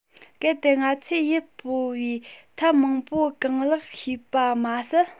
གལ ཏེ ང ཚོས ཡུལ སྤོ བའི ཐབས མང པོ གང ལེགས ཤེས པ མ ཟད